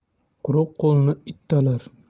quruq qo'lni it talar